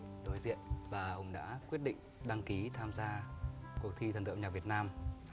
đối diện và hùng đã quyết định đăng ký tham gia cuộc thi thần tượng âm nhạc việt nam